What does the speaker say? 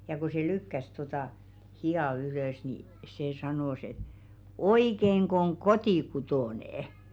ja kun se lykkäsi tuota hihaa ylös niin se sanoi että oikeinko on kotikutoinen